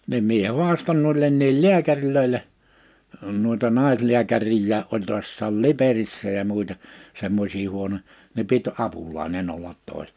niin minä haastoin muillekin lääkäreille noita naislääkäreitäkin oli tuossa Liperissä ja muita semmoisia huonoja niin piti apulainen olla toisena